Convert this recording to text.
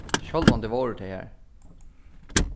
sjálvandi vóru tey har